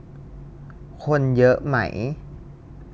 คนเยอะไหม